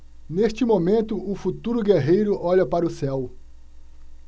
neste momento o futuro guerreiro olha para o céu